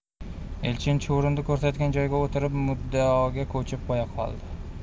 elchin chuvrindi ko'rsatgan joyga o'tirib muddaoga ko'chib qo'ya qoldi